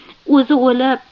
o'zi o'lib